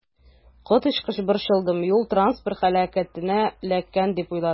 Коточкыч борчылдым, юл-транспорт һәлакәтенә эләккән дип уйладым.